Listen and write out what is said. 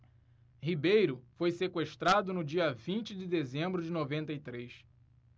ribeiro foi sequestrado no dia vinte de dezembro de noventa e três